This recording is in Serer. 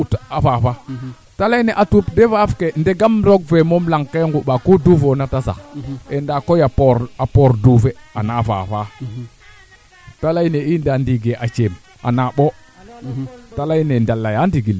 yaam na pisna saxit na na ga'tan ma ten taxu im leyin kaa yooy im anda ande pis nenn jind anga ñaama gooñ a rend anga pis maak mi an daam pis ne maak na ndaa pisna maake re'o maak